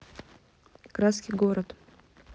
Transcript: краски город